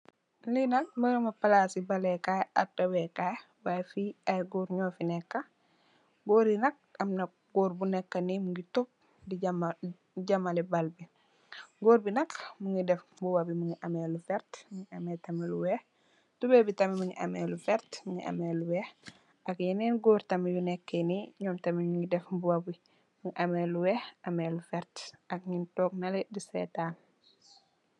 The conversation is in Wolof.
Li nak merembi palac football le kai ak dawe le kai fi ay goor nyu fi neka goori nak amna goor bu neka nee mongi top di jemale baal bi goor bi nak mongi def mbuba bi mongi ame lu verta mongi ame tam lu weex tubai bi tam mongi ame lu vertax mongi ame lu weex ak yenen goor tamit yu neke nee nyom tamit nyugi def mbuba bi mongi ame lu weex mongi ame lu verta ak nyu tog nele di setan.